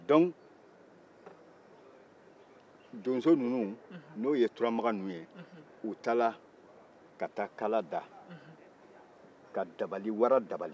o la donso ninnu n'o ye turamakan ninnu ye u taara ka taa kala da ka wara dabali